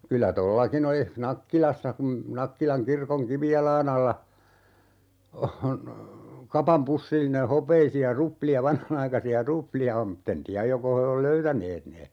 kyllä tuollakin olisi Nakkilassa kun Nakkilan kirkon kivijalan alla on kapan pussillinen hopeisia ruplia vanhanaikaisia ruplia on mutta en tiedä joko he on löytäneet ne